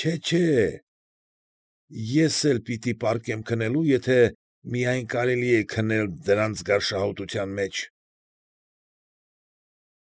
Չէ՛, ես էլ պիտի պառկեմ քնելու, եթե միայն կարելի է քնել դրանց գարշահոտությանն մեջ։